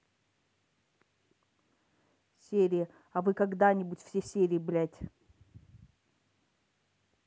серия а вы когда нибудь все серии блядь